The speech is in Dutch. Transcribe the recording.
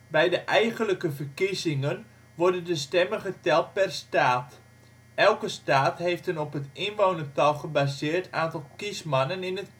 Bij de eigenlijke verkiezingen worden de stemmen geteld per staat. Elke staat heeft een op het inwonertal gebaseerd aantal ' kiesmannen ' (in het